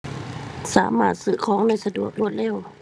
สามารถซื้อของได้สะดวก รวดเร็ว